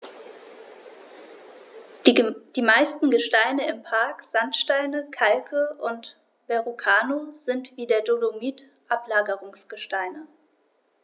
Die meisten Gesteine im Park – Sandsteine, Kalke und Verrucano – sind wie der Dolomit Ablagerungsgesteine.